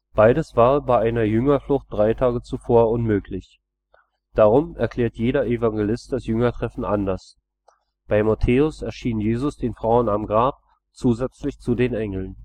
Beides war bei einer Jüngerflucht drei Tage zuvor unmöglich. Darum erklärt jeder Evangelist das Jüngertreffen anders: Bei Matthäus erschien Jesus den Frauen am Grab zusätzlich zu den Engeln